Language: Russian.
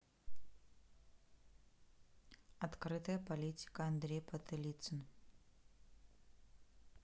открытая политика андрей потылицын